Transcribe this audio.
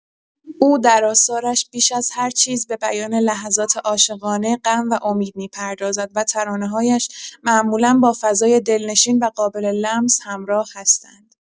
او در آثارش بیش از هر چیز به بیان لحظات عاشقانه، غم و امید می‌پردازد و ترانه‌هایش معمولا با فضای دلنشین و قابل‌لمس همراه هستند.